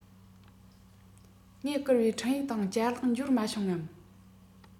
ངས བསྐུར བའི འཕྲིན ཡིག དང ཅ ལག འབྱོར མ བྱུང ངམ